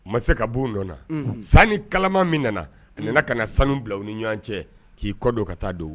Ma se ka bon dɔ na san ni kalaman min nana a nana ka na sanu bila u ni ɲɔgɔn cɛ k'i kɔdɔ ka taa don